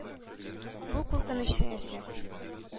Бу – куркыныч сәясәт.